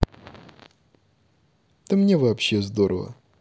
да мне вообще здорово